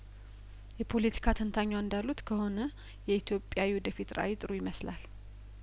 የፖለቲካ ተንታኟ እንዳሉት ከሆነ የኢትዮጲያ የወደፊት ራእይጥሩ ይመስላል